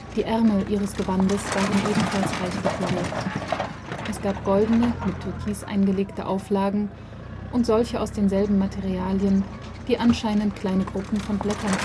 Die Ärmel ihres Gewandes waren ebenfalls reich dekoriert. Es gab goldene mit Türkis eingelegte Auflagen und solche aus den selben Materialien, die anscheinend kleine Gruppen von Blättern